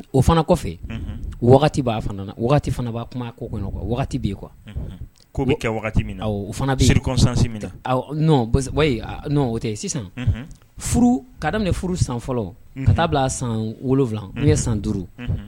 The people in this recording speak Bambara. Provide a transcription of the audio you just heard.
O fana kɔfɛ b'a fana' kuma kɔnɔ bɛ yen kuwa o tɛ sisan ka daminɛ furu san fɔlɔ ka taa bila san wolowula nu ye san duuru